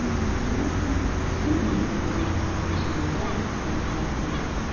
Джонсон 1902 елда вафат була.